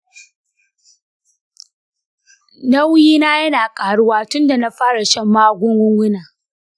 nauyina yana ƙaruwa tun da na fara shan magunguna.